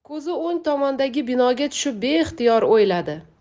ko'zi o'ng tomondagi binoga tushib beixtiyor o'yladi